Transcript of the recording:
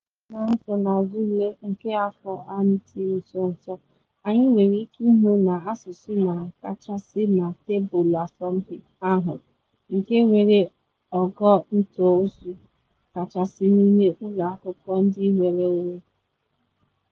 Bido na nsonaazụ ule nke afọ a dị nso nso, anyị nwere ike ịhụ na asụsụ na agachasị na tebul asọmpi ahụ nke nwere ogo ntozu kachasị n’ime ụlọ akwụkwọ ndị nnwere onwe.